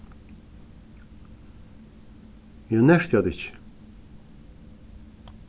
eg nerti hatta ikki